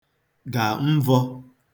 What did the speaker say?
gà mvọ̄